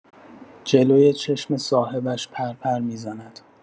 جلوی چشم صاحبش پرپر می‌زند.